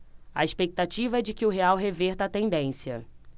a expectativa é de que o real reverta a tendência